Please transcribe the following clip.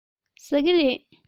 ཟ ཀི རེད